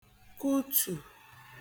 kutù